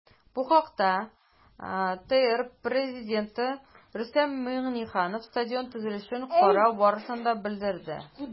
Бу хакта ТР Пррезиденты Рөстәм Миңнеханов стадион төзелешен карау барышында белдерде.